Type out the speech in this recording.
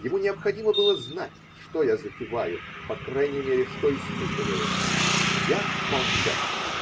Ему необходимо было знать, что я затеваю, по крайней мере, -- что испытываю, но я молчал.